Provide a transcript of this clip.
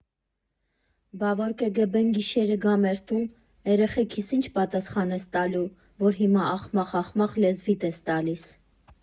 Բա որ ԿԳԲ֊ն գիշերը գա մեր տուն, երեխեքիս ի՞նչ պատասխան ես տալու, որ հիմա ախմախ֊ախմախ լեզվիդ ես տալիս։